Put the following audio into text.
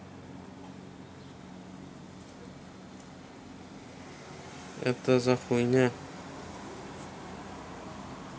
это за хуйня